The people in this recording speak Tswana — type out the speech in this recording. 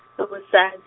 ka mosad-.